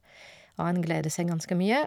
Og han gleder seg ganske mye.